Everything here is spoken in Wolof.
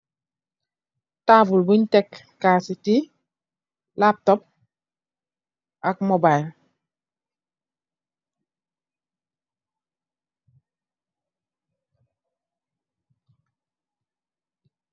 tabul bun tekk kas si tea laptop ak mobile